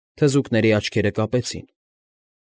Թզուկների աչքերը կապեցին։